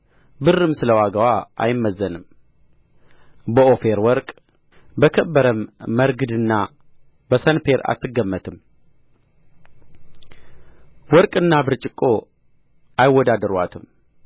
ብርም ስለ ዋጋዋ አይመዘንም በኦፊር ወርቅ በከበረም መረግድና በሰንፔር አትገመትም ወርቅና ብርጭቆ አይወዳደሩአትም